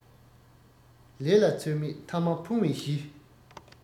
ལས ལ ཚོད མེད ཐ མ ཕུང བའི གཞི